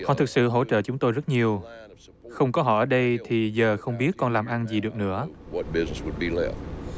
họ thực sự hỗ trợ chúng tôi rất nhiều không có họ ở đây thì giờ không biết còn làm ăn gì được nữa được nữa